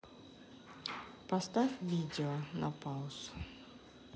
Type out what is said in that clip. поставь видео на паузу